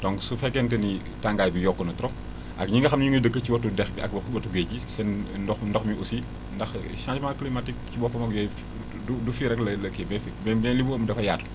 donc su fekkente ni tàngaay bi yokk na trop ak ñi nga xam ñu ngi dëkk ci wetu dex gi ak wa wetu géej gi seen ndox ndox mi aussi ndax changement climatique ci boppam ak yooyu du du fii rek lay la kii mais déedéet mais mais li mu ëmb dafa yaatu